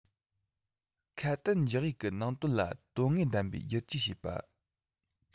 ཁ དན འཇོག ཡིག གི ནང དོན ལ དོན དངོས ལྡན པའི བསྒྱུར བཅོས བྱས པ